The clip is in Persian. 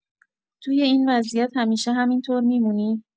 توی این وضعیت همیشه همینطور می‌مونی؟